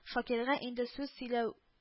Шакирга инде сүз сөйләү